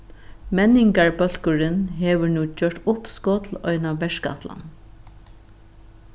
menningarbólkurin hevur nú gjørt uppskot til eina verkætlan